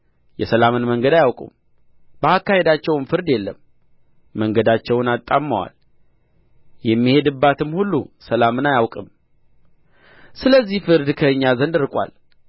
የሰላምን መንገድ አያውቁም በአካሄዳቸውም ፍርድ የለም መንገዳቸውን አጣምመዋል የሚሄድባትም ሁሉ ሰላምን አያውቅም ስለዚህ ፍርድ ከእኛ ዘንድ ርቆአል